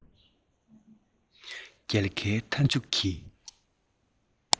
རྒྱལ ཁའི མཐའ མཇུག གི